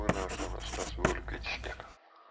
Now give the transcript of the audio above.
bu narsani ustasi bo'lib ketishgan